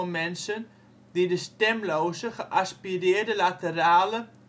mensen die de stemloze, geaspireerde laterale